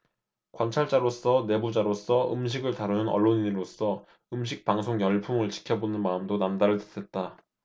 관찰자로서 내부자로서 음식을 다루는 언론인으로서 음식 방송 열풍을 지켜보는 마음도 남다를 듯했다